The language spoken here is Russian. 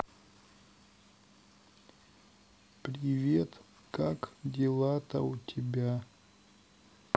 привет как дела то у тебя